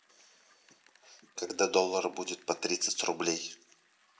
когда доллар будет по тридцать рублей